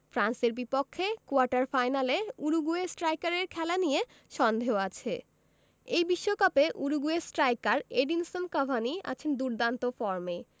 ফ্রান্সের বিপক্ষে কোয়ার্টার ফাইনালে উরুগুয়ে স্ট্রাইকারের খেলা নিয়ে সন্দেহ আছে এই বিশ্বকাপে উরুগুয়ের স্ট্রাইকার এডিনসন কাভানি আছেন দুর্দান্ত ফর্মে